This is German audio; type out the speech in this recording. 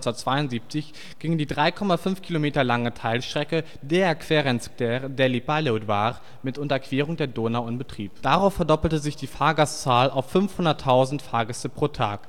1972, ging die 3,5 Kilometer lange Teilstrecke Deák Ferenc tér – Déli pályaudvar mit Unterquerung der Donau in Betrieb. Darauf verdoppelte sich die Fahrgastzahl auf 500.000 Fahrgäste pro Tag